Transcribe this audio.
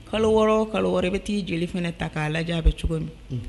Kalo wɔɔrɔ kalo wɛrɛ bɛ' joli fana ta k' laja a bɛ cogo min